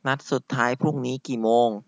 นัดสุดท้ายพรุ่งนี้กี่โมง